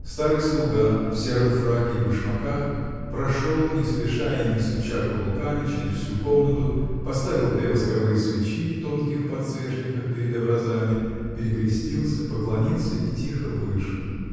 Старый слуга, в сером фраке и башмаках, прошел, не спеша и не стуча каблуками, через всю комнату, поставил две восковые свечи в тонких подсвечниках перед образами, перекрестился, поклонился и тихо вышел.